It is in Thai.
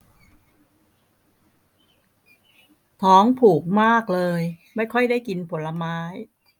ทองผูกมากเลยไม่ค่อยได้กินผลไม้